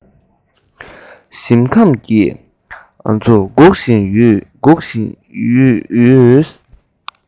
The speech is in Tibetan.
ཕྱི རོལ གྱི རི བོ དང གཙང པོ